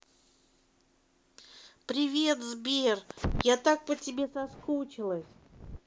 привет сбер я так по тебе соскучилась